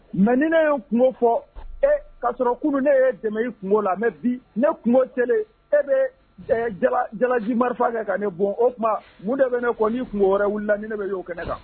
Mais ni ne ye n kungo fɔ ee k'a sɔrɔ kunun ne y'e dɛmɛn e kunko la_ mais _ bi ne kunko selena, e bɛ jalaji marifa kɛ ka ne bon o tuma mun de bɛ ne kɔ ? ni kunko wɛrɛ wili la ne bɛ y'o kɛnɛ kan!